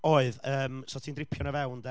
Oedd, ymm, so ti'n dripio nhw fewn, de.